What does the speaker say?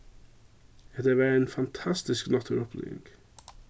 hetta var ein fantastisk náttúruuppliving